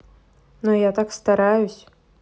ну так я стараюсь